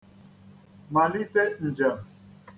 màlite ǹjèm